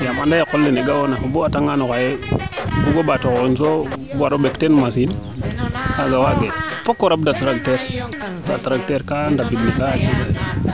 ande o qol lene ga'oona o bug a tangan xoox bugo mbaato xoxin waro ɓek teen machine kaaga waage foko rabda tracteur to a tracteur ndambid ne kaa yaaco doywaar